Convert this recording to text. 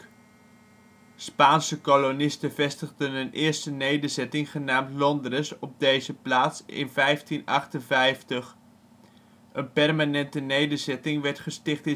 Spaanse kolonisten vestigden een eerste nederzetting genaamd Londres op deze plaats in 1558; een permanente nederzetting werd gesticht